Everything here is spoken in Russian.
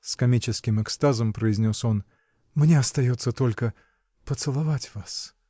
— с комическим экстазом произнес он, — мне остается только. поцеловать вас!